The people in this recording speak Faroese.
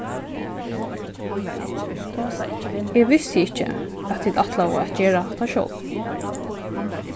eg visti ikki at tit ætlaðu at gera hatta sjálv